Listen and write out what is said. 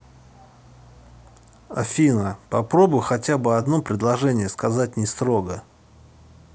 афина попробуй хотя бы одно предложение сказать не строго